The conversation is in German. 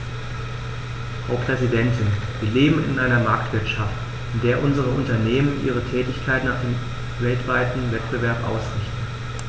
Frau Präsidentin, wir leben in einer Marktwirtschaft, in der unsere Unternehmen ihre Tätigkeiten nach dem weltweiten Wettbewerb ausrichten.